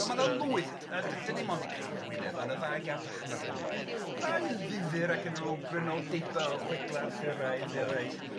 So ma' 'na lwyth, a 'd- 'dan ni mond 'di crafu'r wyneb, ma' 'na ddau gant a hanner o enwau rhai yn ddifyr ac yn ryw grynodiba o chwedla Arthuraidd, eraill.